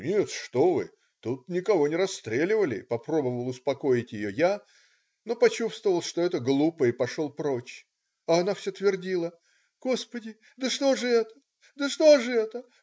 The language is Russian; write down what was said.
- "Нет, что вы,- тут никого не расстреливали",попробовал успокоить ее я, но почувствовал, что это глупо, и пошел прочь. А она все твердила: "Господи! Да что же это? Да за что же это?